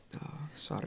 O, sori.